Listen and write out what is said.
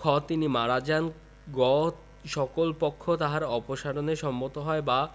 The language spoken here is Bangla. খ তিনি মারা যান গ সকল পক্ষ তাহার অপসারণে সম্মত হয় বা